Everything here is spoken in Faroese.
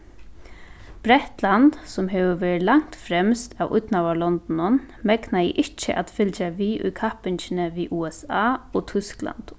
bretland sum hevur verið langt fremst av ídnaðarlondunum megnaði ikki at fylgja við í kappingini við usa og týskland